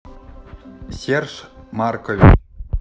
серж маркович